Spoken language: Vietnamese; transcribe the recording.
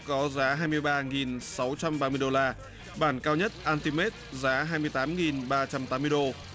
có giá hai mươi ba nghìn sáu trăm ba mươi đô la bản cao nhất un ti mết giá hai mươi tám nghìn ba trăm tám mươi đô